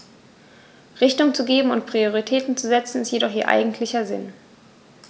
Richtung zu geben und Prioritäten zu setzen, ist jedoch ihr eigentlicher Sinn.